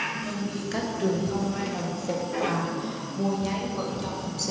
hưng yên các trường không may đồng phục và mua giấy vở cho học sinh